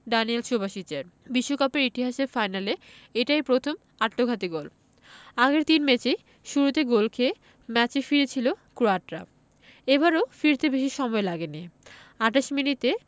Danijel সুবাসিচের বিশ্বকাপের ইতিহাসে ফাইনালে এটাই প্রথম আত্মঘাতী গোল আগের তিন ম্যাচেই শুরুতে গোল খেয়ে ম্যাচে ফিরেছিল ক্রোয়াটরা এবারও ফিরতে বেশি সময় লাগেনি ২৮ মিনিটে